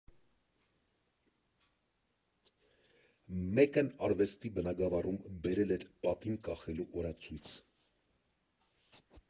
Մեկն արվեստի բնագավառում բերել էր պատին կախելու օրացույց։